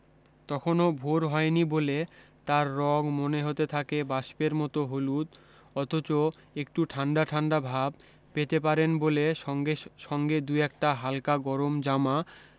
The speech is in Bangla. তখনো ভোর হয় নি বলে তার রঙ মনে হতে থাকে বাষ্পের মতো হলুদ অথচ একটু ঠান্ডা ঠান্ডা ভাব পেতে পারেন বলে সঙ্গে দু একটা হালকা গরম জামা